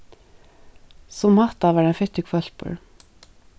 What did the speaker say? sum hatta var ein fittur hvølpur